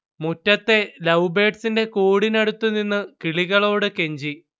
മുറ്റത്തെ ലൗബേഡ്സിന്റെ കൂടിനടുത്ത് നിന്ന് കിളികളോട് കെഞ്ചി